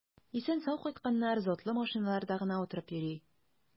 Исән-сау кайтканнар затлы машиналарда гына утырып йөри.